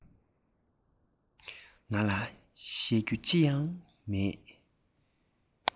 ང ལ བཤད རྒྱུ ཅི ཡང མེད